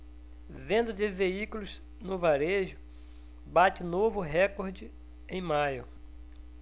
venda de veículos no varejo bate novo recorde em maio